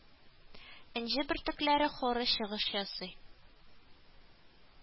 Энҗе бөртекләре хоры чыгыш ясый